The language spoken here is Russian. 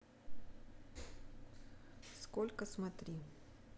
сколько смотри